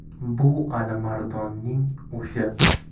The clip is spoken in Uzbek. bu alimardonning o'sha